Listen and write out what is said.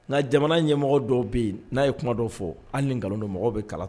Nka jamana ɲɛmɔgɔ dɔw bɛ yen n'a ye kuma dɔw fɔ ani ni nkalon don bɛ kalan